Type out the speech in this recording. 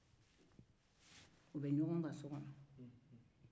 u bɛ ɲɔgɔn kan so kɔnɔ